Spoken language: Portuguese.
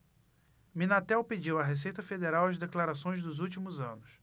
minatel pediu à receita federal as declarações dos últimos anos